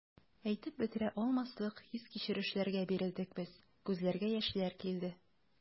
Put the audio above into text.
Әйтеп бетерә алмаслык хис-кичерешләргә бирелдек без, күзләргә яшьләр килде.